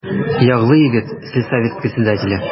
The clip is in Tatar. Ярлы егет, сельсовет председателе.